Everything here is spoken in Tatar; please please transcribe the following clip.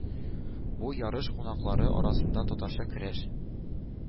Бу ярыш кунаклары арасында татарча көрәш